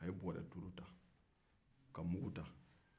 a y'o bɔrɛ duuru ta ka mugu ta